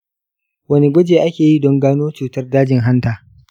wane gwaji ake yi don gano cutar dajin hanta?